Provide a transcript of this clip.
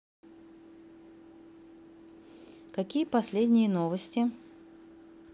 какие последние новости